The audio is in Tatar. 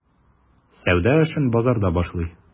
Сәүдә эшен базарда башлый.